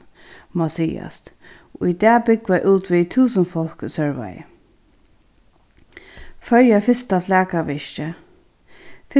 má sigast í dag búgva út við túsund fólk í sørvági føroya fyrsta flakavirkið